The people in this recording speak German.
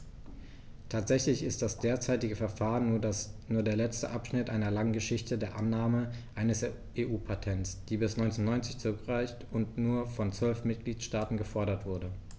Tatsächlich ist das derzeitige Verfahren nur der letzte Abschnitt einer langen Geschichte der Annahme eines EU-Patents, die bis 1990 zurückreicht und nur von zwölf Mitgliedstaaten gefordert wurde.